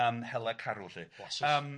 Yym hela carw 'lly.